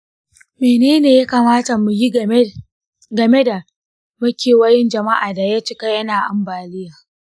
mene ne ya kamata mu yi game da makewayin jama'a da ya cika yana ambaliya?